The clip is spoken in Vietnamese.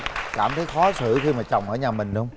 cảm thấy khó xử khi mà chồng ở nhà mình không